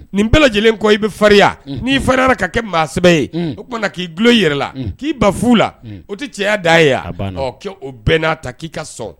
Nin bɛɛ lajɛlenlen kɔ i bɛ faririnya n'i fa ka kɛ maasɛ ye o tuma k'i tulolo yɛrɛ la k'i ba' la o tɛ cɛya da ye k' o bɛn n'a ta k'i ka sɔn